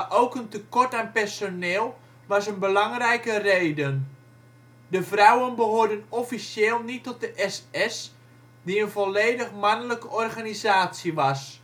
ook een tekort aan personeel was een belangrijke reden. De vrouwen behoorden officieel niet tot de SS, die een volledig mannelijke organisatie was